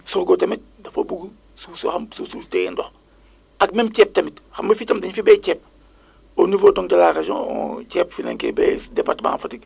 sorgho tamit dafa bugg suuf soo xam suuf suy téye ndox ak même ceeb tamit xam nga fii tam dañ fiy béy ceeb au niveau donc de la région ceeb fii la ñu koy béyee département Fatick